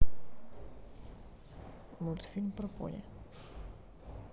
мультфильм про пони